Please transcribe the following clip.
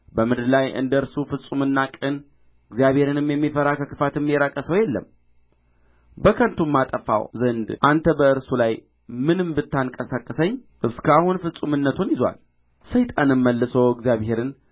በምድር ላይ እንደ እርሱ ፍጹምና ቅን እግዚአብሔርንም የሚፈራ ከክፋትም የራቀ ሰው የለም በከንቱም አጠፋው ዘንድ አንተ በእርሱ ላይ ምንም ብታንቀሳቅሰኝ እስከ አሁን ፍጹምነቱን ይዞአል ሰይጣንም መልሶ እግዚአብሔርን